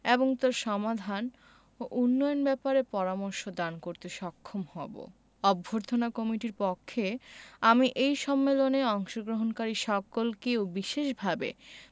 এবং তার সমাধান ও উন্নয়ন ব্যাপারে পরামর্শ দান করতে সক্ষম হবো অভ্যর্থনা কমিটির পক্ষে আমি এই সম্মেলনে অংশগ্রহণকারী সকলকে ও বিশেষভাবে